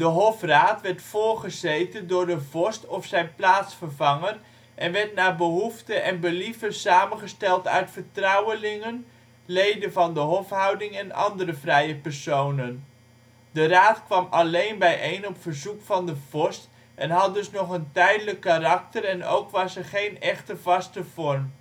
hofraad werd voorgezeten door de vorst of zijn plaatsvervanger en werd naar behoefte en believen samengesteld uit vertrouwelingen, leden van de hofhouding en andere vrije personen. De raad kwam alleen bijeen op verzoek van de vorst en had dus nog een tijdelijk karakter en ook was er nog geen echt vaste vorm.